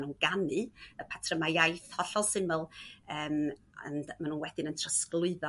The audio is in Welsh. n'w'n ganu y patryma' iaith hollol syml eem ond ma' n'w wedyn yn trosglwyddo